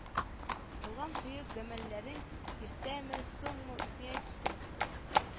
Кылган кыек гамәлләрең иртәме-соңмы үзеңә китереп суга